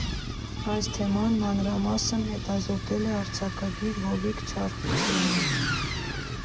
Այս թեման մանրամասն հետազոտել է արձակագիր Հովիկ Չարխչյանը։